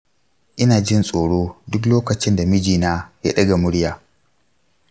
ina jin tsoro duk lokacin da mijina ya ɗaga murya.